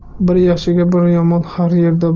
bir yaxshiga bir yomon har yerda bor